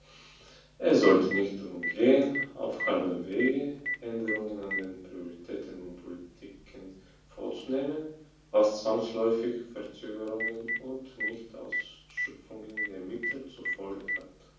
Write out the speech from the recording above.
Es sollte nicht darum gehen, auf halbem Wege Änderungen an den Prioritäten und Politiken vorzunehmen, was zwangsläufig Verzögerungen und Nichtausschöpfung der Mittel zur Folge hat.